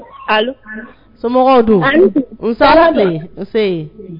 Allo Somɔgɔw dun? A' ni tile. Nse a' ni tile. Tɔrɔ tɛ. Nse